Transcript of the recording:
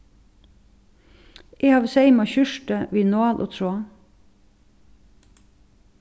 eg havi seymað skjúrtið við nál og tráð